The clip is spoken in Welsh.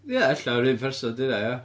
Ie, ella, yr un person 'di hynna, ia.